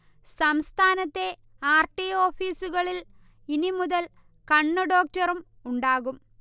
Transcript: സംസ്ഥാനത്തെ R. T. ഓഫീസുകളിൽ ഇനി മുതൽ കണ്ണുഡോക്ടറും ഉണ്ടാവും